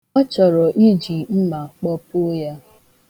Ọ chọrọ iji mma kpọpuo ya.